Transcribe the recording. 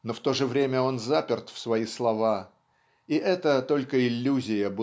Но в то же время он заперт в свои слова и это только иллюзия